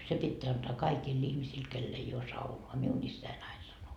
se pitää antaa kaikille ihmisille kenellä ei ole saunaa minun isäni aina sanoi